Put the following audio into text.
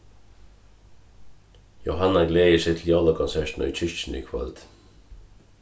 jóhanna gleðir seg til jólakonsertina í kirkjuni í kvøld